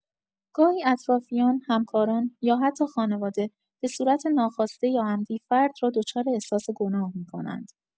گاهی اطرافیان، همکاران، یا حتی خانواده، به‌صورت ناخواسته یا عمدی فرد را دچار احساس گناه می‌کنند.